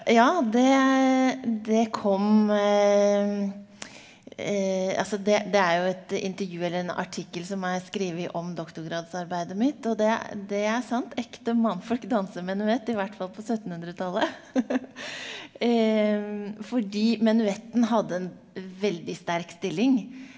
ja det det kom altså det det er jo et intervju eller en artikkel som er skrevet om doktorgradsarbeidet mitt, og det er det er sant, ekte mannfolk danser menuett, i hvert fall på syttenhundretallet , fordi menuetten hadde en veldig sterk stilling.